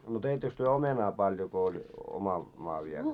no teittekö te omenaa paljon kun oli oma maa vielä